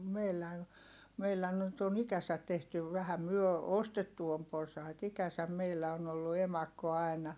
meillä meillä nyt on ikänsä tehty vähän me ostettu on porsaita ikänsä meillä on ollut emakko aina